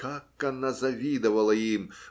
Как она завидовала им!